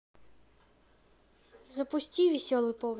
запусти веселый повар